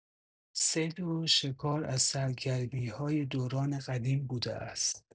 صید و شکار از سرگرمی‌های دوران قدیم بوده است!